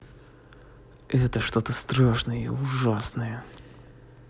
это что то страшное и ужасное